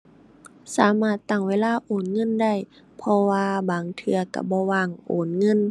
สามารถตั้งเวลาโอนเงินได้ เพราะว่าบางเทื่อก็บ่ว่างโอนเงิน